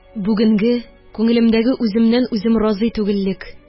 Бүгенге күңелемдәге үземнән үзем разый түгеллек,